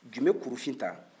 jubekurufin ta